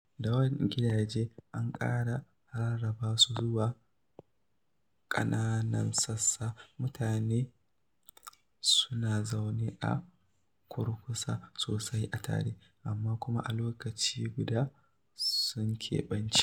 Da yawan gidaje an ƙara rarraba su zuwa ƙananan sassa. Mutane suna zaune a kurkusa sosai a tare, amma kuma a lokaci guda, suna keɓance.